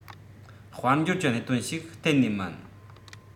དཔལ འབྱོར གྱི གནད དོན ཞིག གཏན ནས མིན